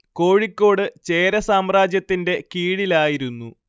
കോഴിക്കോട് ചേര സാമ്രാജ്യത്തിന്റെ കീഴിലായിരുന്നു